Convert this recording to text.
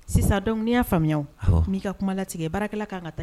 Sisan dɔn n'i y'a faamuya aw n'i ka kuma latigɛ baarakɛla k kan ka taa